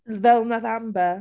Fel wnaeth Amber?